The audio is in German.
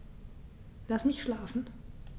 Lass mich schlafen